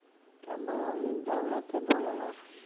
kambag'alning davlati bolalar